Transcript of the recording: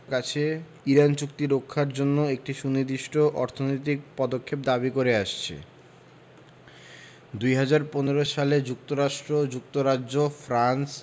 কাছে ইরান চুক্তি রক্ষার জন্য একটি সুনির্দিষ্ট অর্থনৈতিক পদক্ষেপ দাবি করে আসছে ২০১৫ সালে যুক্তরাষ্ট্র যুক্তরাজ্য ফ্রান্স